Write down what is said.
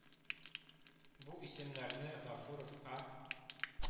Бу исемнәрне Гафуров А